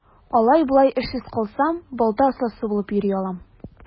Алай-болай эшсез калсам, балта остасы булып йөри алам.